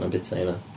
A bwyta rheina.